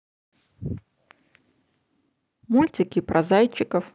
мультики про зайчиков